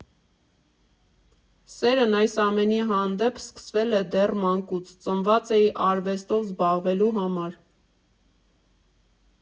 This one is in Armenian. Սերն այս ամենի հանդեպ սկսվել է դեռ մանկուց, ծնված էի արվեստով զբաղվելու համար։